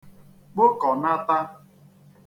kpokọ̀nata